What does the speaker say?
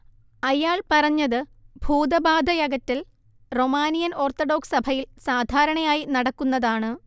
അയാൾ പറഞ്ഞത് ഭൂതബാധയകറ്റൽ റൊമാനിയൻ ഓർത്തഡോക്സ് സഭയിൽ സാധാരണയായി നടക്കുന്നതാണ്